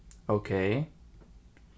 ókey